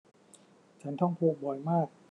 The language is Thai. ฉันท้องผูกบ่อยมาก